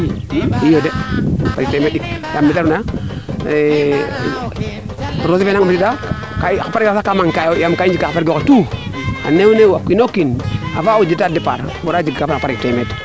iyo de temeend ndik no ñaal leŋ roose fe i mbiya parfois sax ka manquer aayo yam ka i njika xa barigo ke tout a neew neew o kiino kiin avant o jega depart wara jeg kaa fadna parig temee